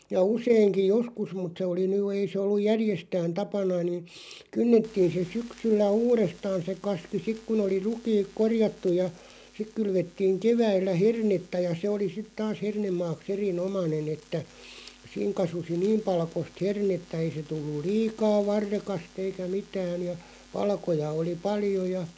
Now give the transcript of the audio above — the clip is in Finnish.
ja useinkin joskus mutta se oli nyt ei se ollut järjestään tapana niin kynnettiin se syksyllä uudestaan se kaski sitten kun oli rukiit korjattu ja sitten kylvettiin keväällä hernettä ja se oli sitten taas hernemaaksi erinomainen että siinä kasvoi niin palkoista hernettä ei se tullut liikaa varrekasta eikä mitään ja palkoja oli paljon ja